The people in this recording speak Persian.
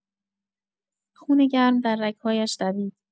خون‌گرم در رگ‌هایش دوید.